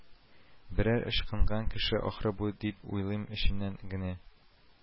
Берәр ычкынган кеше ахры бу дип уйлыйм эчемнән генә